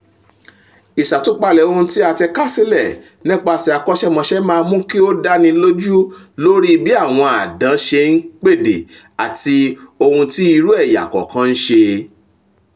Ìṣàtúpalẹ̀ ohùn tí a ti ká sílẹ̀ nípaṣẹ̀ àkọṣẹ́mọṣẹ máa mú kí ó dánilójú lórí bí àwọn àdán ṣe ń pèdè àti ohun tí irú ẹ̀yà kọ̀ọ̀kan ń ṣe.